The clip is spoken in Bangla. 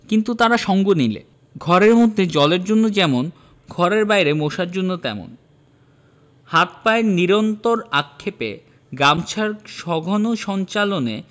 কিন্তু তারা সঙ্গ নিলে ঘরের মধ্যে জলের জন্য যেমন ঘরের বাইরে মশার জন্য তেমন হাত পায়ের নিরন্তর আক্ষেপে গামছার সঘন সঞ্চালনে